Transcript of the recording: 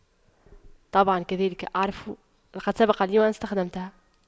طبعا كذلك أعرف لقد سبق لي وأن استخدمتها